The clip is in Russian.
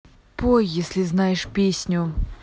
пой если знаешь песню